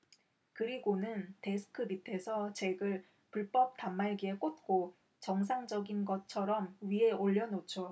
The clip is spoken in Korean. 그리고는 데스크 밑에서 잭을 불법 단말기에 꽂고 정상적인 것처럼 위에 올려놓죠